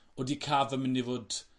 odi Cav yn mynd i fot